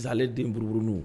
Zanalile den buruununu